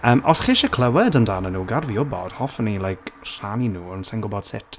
Yym os chi eisiau clywed amdanyn nhw, gad i fi wybod, hoffwn i, like, rhannu nhw ond sa i'n gwbod sut.